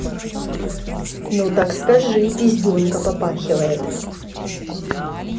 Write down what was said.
ну так скажи пизденка попахивает